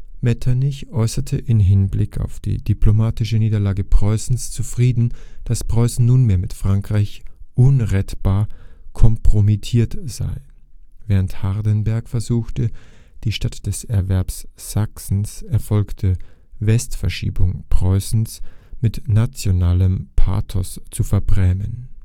Metternich äußerte in Hinblick auf die diplomatische Niederlage Preußens zufrieden, dass Preußen nunmehr mit Frankreich „ unrettbar kompromittiert “sei, während Hardenberg versuchte, die statt des Erwerbs Sachsens erfolgte Westverschiebung Preußens mit nationalem Pathos zu verbrämen